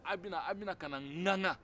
aw bɛna aw bɛna ka na ŋaŋa